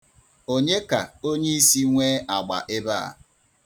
Onye ka Onyeisi nwee agba ebe a?